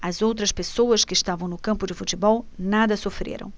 as outras pessoas que estavam no campo de futebol nada sofreram